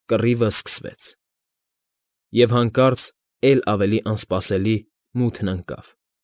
Կռիվն սկսեց։ Եվ հանկարծ, էլ ավելի անսպասելի, մութն ընկավ։